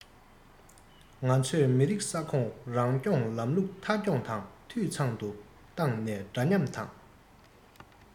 ང ཚོས མི རིགས ས ཁོངས རང སྐྱོང ལམ ལུགས མཐའ འཁྱོངས དང འཐུས ཚང དུ བཏང ནས འདྲ མཉམ དང